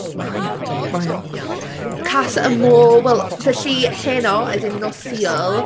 Mae o, mae o. Casa Amor, wel, felly, heno, as in nos Sul...